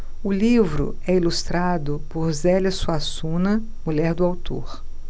o livro é ilustrado por zélia suassuna mulher do autor